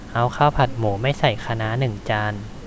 เอาข้าวผัดหมูไม่ใส่คะน้าหนึ่งจาน